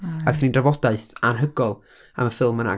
A gaethon ni drafodaeth anhygoel am y ffilm yna.